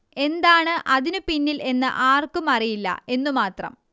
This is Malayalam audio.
എന്താണ് അതിനു പിന്നിൽ എന്ന് ആർക്കും അറിയില്ല എന്നു മാത്രം